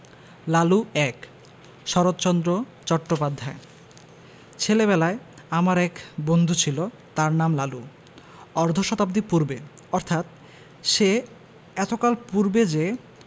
লালু ১ শরৎচন্দ্র চট্টোপাধ্যায় ছেলেবেলায় আমার এক বন্ধু ছিল তার নাম লালু অর্ধ শতাব্দী পূর্বে অর্থাৎ সে এতকাল পূর্বে যে